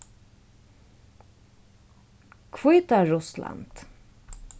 hvítarussland